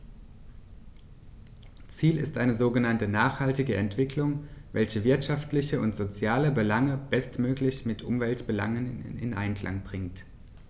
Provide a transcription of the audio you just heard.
Ziel ist eine sogenannte nachhaltige Entwicklung, welche wirtschaftliche und soziale Belange bestmöglich mit Umweltbelangen in Einklang bringt.